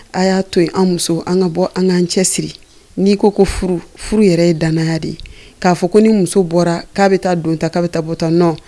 A y'a to yen an muso an ka bɔ an ka'an cɛ siri n'i ko ko furu furu yɛrɛ ye dananaya de ye k'a fɔ ko ni muso bɔra k'a bɛ taa don ta k'a bɛ taa bɔta nɔ